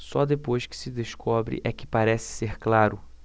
só depois que se descobre é que parece ser claro